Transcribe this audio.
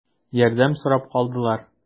Ярдәм сорап калдылар.